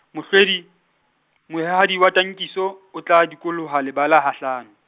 Mohlwedi, mohwehadi wa Tankiso o tla dikoloha lebala ha hlano.